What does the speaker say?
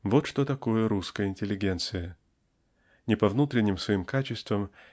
-- вот что такое русская интеллигенция. Ни по внутренним своим качествам